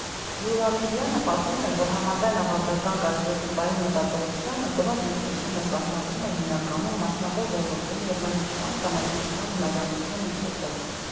Գյուլամիրյանը պատմում է, որ համաձայն ավանդական կարծրատիպային մտածողությանը՝ կնոջ ինքնությունը սահմանվում է հիմնականում մասնավոր ոլորտում և մայրության, կանացիության, հնազանդության միջոցով։